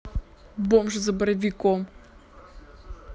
бомж за боровиком